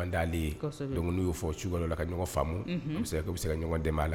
'ale ye n' y'o fɔ suka la ka ɲɔgɔn faamu bɛ se ka dɛmɛ' la